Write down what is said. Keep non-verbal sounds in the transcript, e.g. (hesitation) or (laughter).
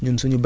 (hesitation) (hesitation)